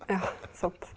ja sant.